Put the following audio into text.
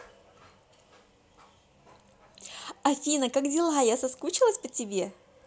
афина как дела я соскучилась по тебе